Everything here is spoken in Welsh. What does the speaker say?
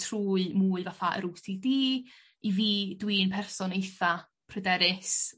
trwy mwy fatha yr ow si di i fi dwi'n person eitha pryderus.